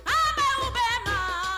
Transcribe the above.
An b'aw bɛɛ maa